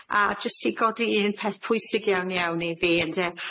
A jyst i godi un peth pwysig iawn iawn i fi ynde,